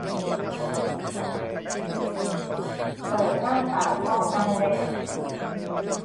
เปิดหน้าต่างห้องนั่งเล่น